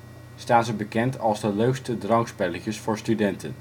staan ze bekend als de leukste Drankspelletjes voor studenten